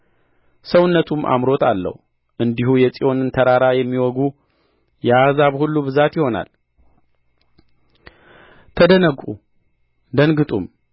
ሰውነቱም አምሮት አለው እንዲሁ የጽዮንን ተራራ የሚወጉ የአሕዛብ ሁሉ ብዛት ይሆናል ተደነቁ ደንግጡም